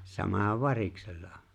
sama on variksella